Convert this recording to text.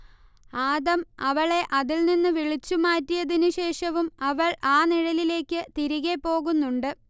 ആദം അവളെ അതിൽ നിന്നു വിളിച്ചു മാറ്റിയതിനു ശേഷവും അവൾ ആ നിഴലിലേയ്ക്ക് തിരികേ പോകുന്നുണ്ട്